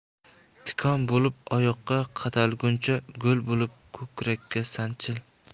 tikan bo'lib oyoqqa qadalguncha gul bo'lib ko'krakka sanchil